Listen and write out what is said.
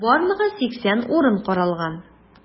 Барлыгы 80 урын каралган.